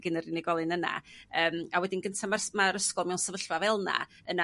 gin yr unigolyn yna yym a wedyn gynta' ma'r ysgol mewn sefyllfa fel 'na yna